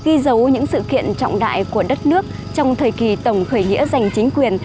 ghi dấu những sự kiện trọng đại của đât nước trong thời kỳ tổng khởi nghĩa dành chính quyền